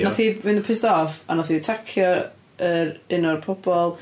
Wnaeth hi'n fynd yn pissed off a wnaeth hi atacio yr... un o'r pobl.